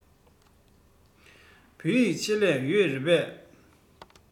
བོད ཡིག ཆེད ལས ཡོད རེད པས